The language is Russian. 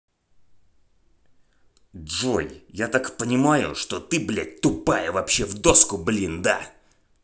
джой я так понимаю что ты блядь тупая вообще в доску блин да